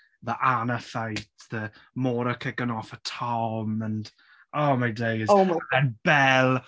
the Anna fight, the Mora kicking off at Tom and oh my days... Oh my d- ...And Belle!